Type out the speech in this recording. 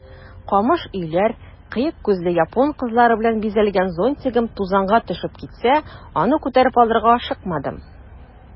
Камыш өйләр, кыек күзле япон кызлары белән бизәлгән зонтигым тузанга төшеп китсә, аны күтәреп алырга ашыкмадым.